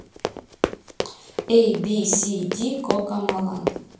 эй би си ди кокомалан